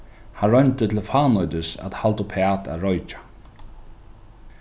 hann royndi til fánýtis at halda uppat at roykja